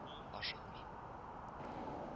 Ашыкмыйм